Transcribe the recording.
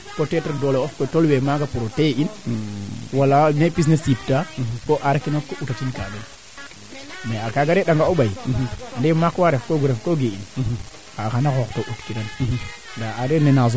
kaa may puusiin keene yiin wala a paana ke yiin ku ref na no plastique daal awaa moytu wel kam qur parce que boo ndeetlu wan noona a refa nga mbuus ndeeti njegel a ñaama ngaan baa xon na fat wiin we ndeetin xana sombin kam